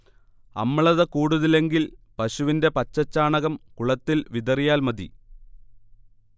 അമ്ലത കൂടുതലെങ്കിൽ പശുവിന്റെ പച്ചച്ചാണകം കുളത്തിൽ വിതറിയാൽമതി